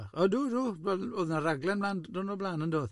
Wel, oedd na raglen mlaen, d'wrnod o'r blaen, yn dodd?